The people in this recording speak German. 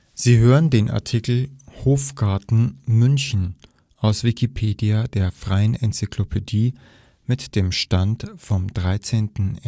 Sie hören den Artikel Hofgarten (München), aus Wikipedia, der freien Enzyklopädie. Mit dem Stand vom Der